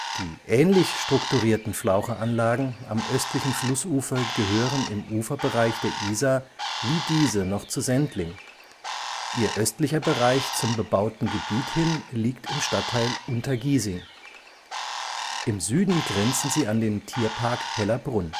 Die ähnlich strukturierten Flaucheranlagen am östlichen Flussufer gehören im Uferbereich der Isar wie diese noch zu Sendling, ihr östlicher Bereich zum bebauten Gebiet hin liegt im Stadtteil Untergiesing. Im Süden grenzen sie an den Tierpark Hellabrunn